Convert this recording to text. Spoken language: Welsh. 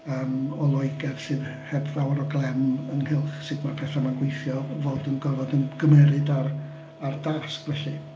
Yym o Loegr sydd heb fawr o glem ynghylch sut ma'r pethau 'ma'n gweithio fod yn gorfod ymgymeryd a'r a'r dasg felly.